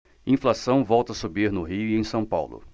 inflação volta a subir no rio e em são paulo